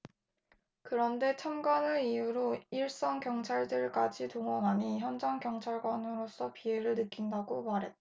그런데 참관을 이유로 일선 경찰들까지 동원하니 현장 경찰관으로서 비애를 느낀다고 말했다